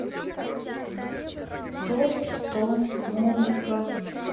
топ сто музыка